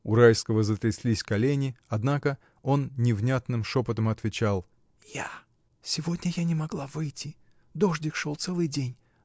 У Райского затряслись колени, однако он невнятным шепотом отвечал: — Я. — Сегодня я не могла выйти — дождик шел целый день